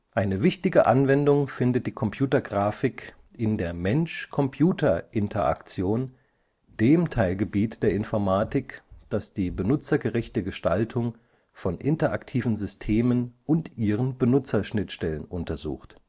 Eine wichtige Anwendung findet die Computergrafik in der Mensch-Computer-Interaktion, dem Teilgebiet der Informatik, das die benutzergerechte Gestaltung von interaktiven Systemen und ihren Benutzerschnittstellen untersucht